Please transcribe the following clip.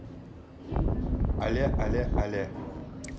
але але але